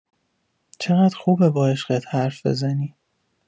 چقدر خوبه با عشقت حرف بزنی!